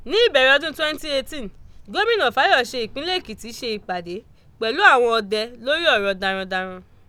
Ní ìbẹ̀rẹ̀ ọdún twenty eighteen Gómìnà Fáyòsé ìpínlẹ̀ Èkìtì ṣe ìpàdé pẹ̀lú àwọn ọdẹ lórí ọ̀rọ̀ darandaran.